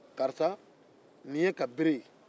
karisa ni ye e ka bere ye